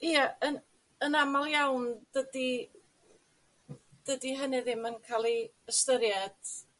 Ie yn yn amal iawn dydi dydi hynny ddim yn ca'l ei ystyried.